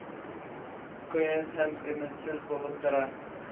Кыен һәм өметсез булып тора.